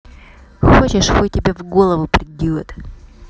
хочешь хуй тебе в голову придет